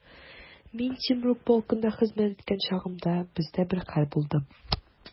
Мин Темрюк полкында хезмәт иткән чагымда, бездә бер хәл булды.